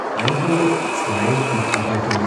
102 Mitarbeitern